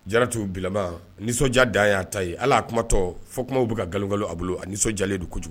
Jaratu bilama nisɔndiya dan y'a ta ye ala y'a kuma tɔ fɔ kumaw bɛ ka galogalo a bolo.A nisɔndiyalen don kojugu.